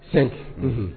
5 unhun